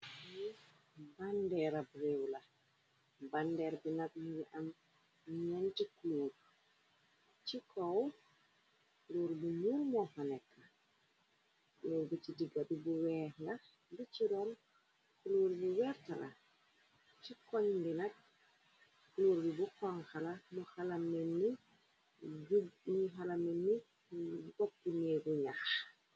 Bandeerab réew la, bandeer bi nak mingi am ñenti kuloor, ci kow kuloor bu ñuul moo fa nekk, kuloor bu ci diga bi bu weex la, bu ci roon kuloor bu weerta la, ci koñ binag kuloor bi bu xonxa la bu xaalamenni, xalaminni bopp neegu ñax.